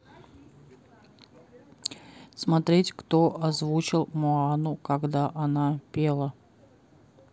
смотреть кто озвучил моану когда она пела